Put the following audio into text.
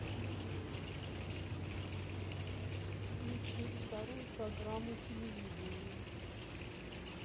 включить вторую программу телевидения